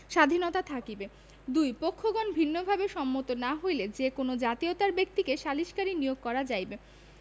স্বাধীনতা থাকিবে ২ পক্ষগণ ভিন্নভাবে সম্মত না হইলে যে কোন জাতীয়তার ব্যক্তিকে সালিসকারী নিয়োগ করা যাইবে